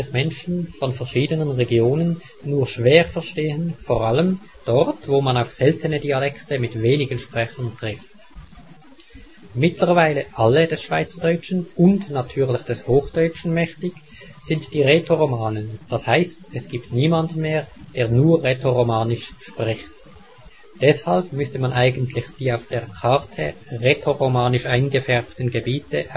Menschen von verschiedenen Regionen nur schwer verstehen, v.a. dort, wo man auf seltene Dialekte mit wenigen Sprechern trifft. Mittlerweile alle des Schweizerdeutschen und natürlich des Hochdeutschen mächtig sind die Rätoromanen, das heißt es gibt niemanden mehr, der nur Rätoromanisch spricht. Deshalb müsste man eigentlich die auf der Karte " rätoromanisch eingefärbten " Gebiete